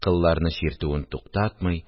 Кылларны чиртүен туктатмый